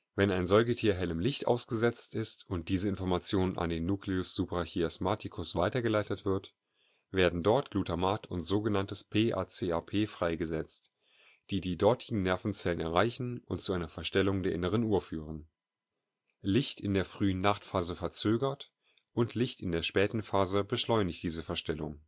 Wenn ein Säugetier hellem Licht ausgesetzt ist und diese Information an den Nucleus suprachiasmaticus weitergeleitet wird, werden dort Glutamat und PACAP (pituitary adenylate cyclase activating polypeptide) freigesetzt, die die dortigen Nervenzellen (Neuronen) erreichen und zu einer Verstellung der inneren Uhr führen. Licht in der frühen Nachtphase verzögert und Licht in der späten Phase beschleunigt diese Verstellung